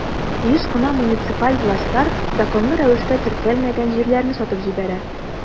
Еш кына муниципаль властьлар законлы рәвештә теркәлмәгән җирләрне сатып җибәрә.